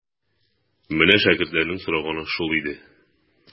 Менә шәкертләрнең сораганы шул иде.